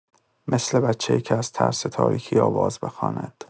مثل بچه‌ای که از ترس تاریکی آواز بخواند.